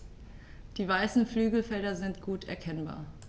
Die weißen Flügelfelder sind gut erkennbar.